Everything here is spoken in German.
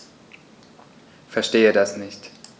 Verstehe das nicht.